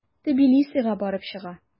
Тбилисига барып чыга.